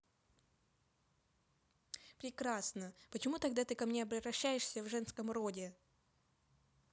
прекрасно почему тогда ты ко мне обращаешься в женском роде